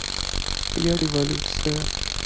я революция